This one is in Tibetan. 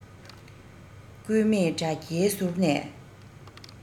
སྐུད མེད དྲ རྒྱའི ཟུར ནས